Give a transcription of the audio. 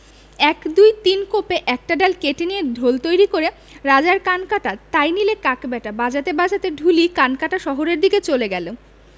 এক দুই তিন কোপে একটা ডাল কেটে নিয়ে ঢোল তৈরি করে ‘রাজার কান কাটা তাই নিলে কাক ব্যাটা বাজাতে বাজাতে ঢুলি কানকাটা শহরের দিকে চলে গেল